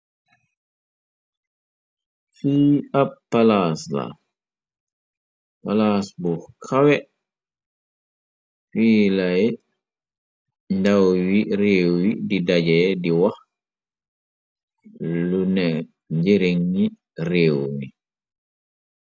Fii ab palaas la, palaas bu kawe, fiilay ndaw wi réew yi di daje di wax, lu nek njëre ni réew mi.